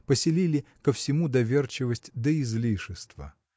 поселили ко всему доверчивость до излишества.